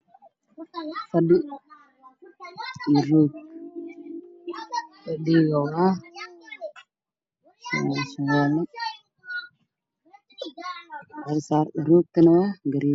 Fadhi iyo rog fadhiya larkiisu waa madow roga ka karkiisu waa caddaan waxayna ku jiraan qol